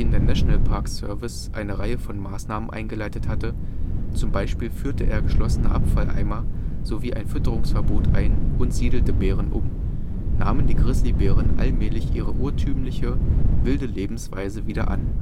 der National Park Service eine Reihe von Maßnahmen eingeleitet hatte – zum Beispiel führte er geschlossene Abfalleimer sowie ein Fütterungsverbot ein und siedelte Bären um – nahmen die Grizzlybären allmählich ihre urtümliche, wilde Lebensweise wieder an